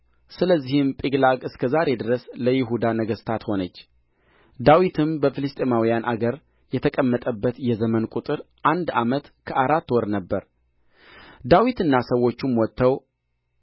ስለዚህም ጺቅላግ እስከ ዛሬ ድረስ ለይሁዳ ነገሥታት ሆነች ዳዊትም በፍልስጥኤማውያን አገር የተቀመጠበት የዘመን ቍጥር አንድ ዓመት ከአራት ወር ነበረ ዳዊትና ሰዎቹም ወጥተው